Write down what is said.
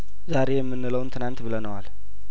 ዛሬ የምንለውን ትናንት ብለነዋል